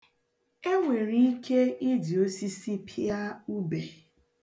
Enwere ike iji osisi pịa ube.